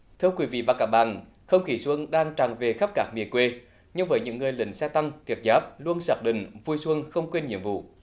thưa quý vị và các bạn không khí xuân đang tràn về khắp các miền quê nhưng với những người lính xe tăng thiết giáp luôn xác định vui xuân không quên nhiệm vụ